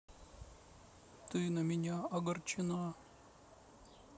ты на меня огорчена